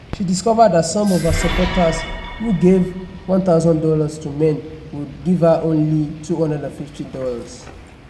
She discovered that some of her supporters who gave $1,000 to men would give her only $250.